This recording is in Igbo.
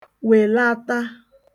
-wèlata